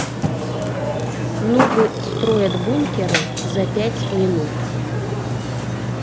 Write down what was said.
нубы строят бункеры за пять минут